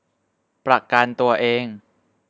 ประกันตัวเอง